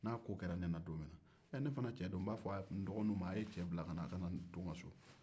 n'a ko kɛra ne la don minna ɛ ne fana cɛ don n b'a fɔ n dɔgɔniw ma aw ye n cɛ bila ka na a ka na to n ka so